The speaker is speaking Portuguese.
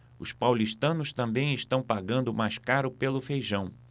os paulistanos também estão pagando mais caro pelo feijão